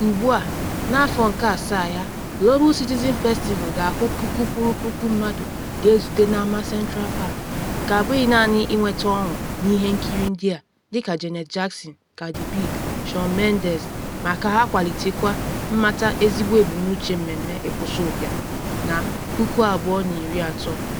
Ugbu a n’afọ nke asaa ya, Global Citizen Festival ga-ahụ puku kwụrụ puku mmadụ ga-ezute na Ama Central Park, nke abụghị naanị inweta ọṅụ n’ihe nkiri ndị a dịka Janet Jackson, Cardi B, Shawn Mendes, ma ka ha kwalitekwa mmata ezigbo ebumnuche mmemme ịkwụsị ụbịam na 2030.